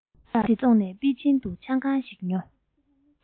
འབུ འདི དག བཙོངས ནས པེ ཅིན དུ ཆང ཁང ཞིག ཉོ